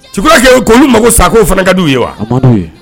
tu crois que k'olu mago sa k'o fana ka di u ye wa